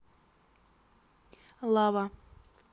лава